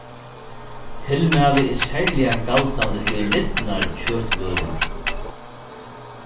tilmælið er serliga galdandi fyri lidnar kjøtvørur